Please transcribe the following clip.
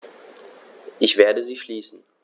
Ich werde sie schließen.